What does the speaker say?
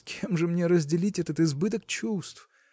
с кем же мне разделить этот избыток чувств?